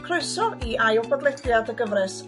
Croeso i ail bodlediad y gyfres...